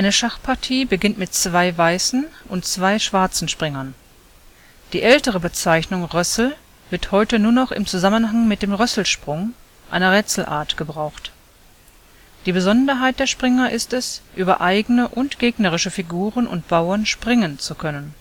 Schachpartie beginnt mit zwei weißen und zwei schwarzen Springern – die ältere Bezeichnung „ Rössel “wird heute nur noch im Zusammenhang mit dem Rösselsprung, einer Rätselart, gebraucht. Die Besonderheit der Springer ist es, über eigene und gegnerische Figuren und Bauern „ springen “zu können